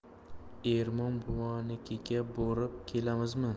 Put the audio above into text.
ermon buvangnikiga borib kelamizmi